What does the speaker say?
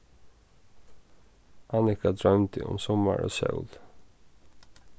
annika droymdi um summar og sól